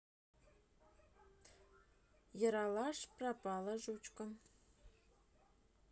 ералаш пропала жучка